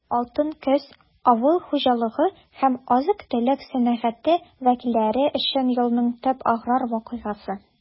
«алтын көз» - авыл хуҗалыгы һәм азык-төлек сәнәгате вәкилләре өчен елның төп аграр вакыйгасы.